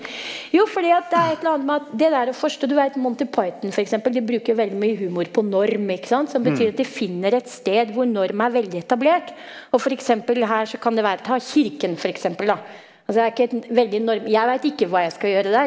jo fordi at det er et eller annet med at det derre første du veit Monthy Python for eksempel, de bruker veldig mye humor på norm ikke sant som betyr at de finner et sted hvor norm er veldig etablert og f.eks. her så kan det være ta kirken f.eks. da altså det er ikke et veldig jeg veit ikke hva jeg skal gjøre der.